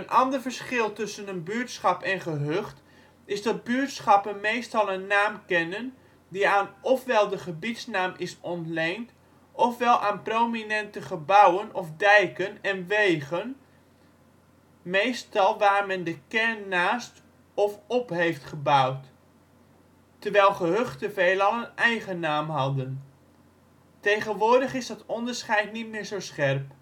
ander verschil tussen een buurtschap en gehucht is dat buurtschappen meestal een naam kennen die aan ofwel de gebiedsnaam is ontleend ofwel aan prominente gebouwen of dijken en wegen (meestal waar men de kern naast of op heeft gebouwd), terwijl gehuchten veelal een eigen naam hadden. Tegenwoordig is dat onderscheid niet meer zo scherp